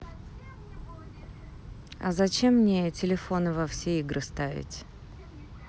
а зачем мне телефоны во все игры ставить